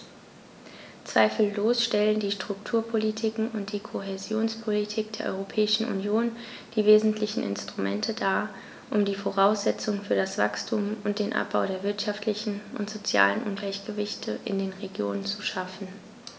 Zweifellos stellen die Strukturpolitiken und die Kohäsionspolitik der Europäischen Union die wesentlichen Instrumente dar, um die Voraussetzungen für das Wachstum und den Abbau der wirtschaftlichen und sozialen Ungleichgewichte in den Regionen zu schaffen.